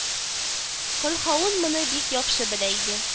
Колһаун моны бик яхшы белә иде